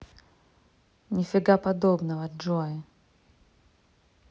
нифига подобного джой